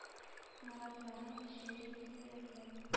Наратларың җилдән тибрәтеп.